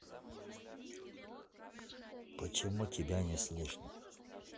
а почему тебя не слышно